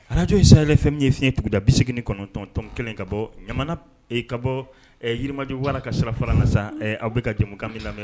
Arajosi say fɛn min ye fiɲɛɲɛ tuguda bisi9tɔntɔnm kelen ka bɔ ɲamana ka bɔ yirimaji wara ka sira fara sa a bɛ ka dimu min lamɛn